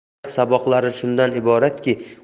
tarix saboqlari shundan iboratki odamlar